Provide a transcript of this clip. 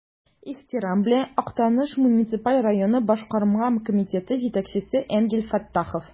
Ихтирам белән, Актаныш муниципаль районы Башкарма комитеты җитәкчесе Энгель Фәттахов.